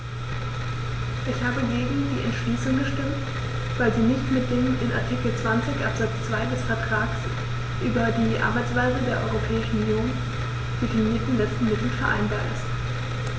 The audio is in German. Ich habe gegen die Entschließung gestimmt, weil sie nicht mit dem in Artikel 20 Absatz 2 des Vertrags über die Arbeitsweise der Europäischen Union definierten letzten Mittel vereinbar ist.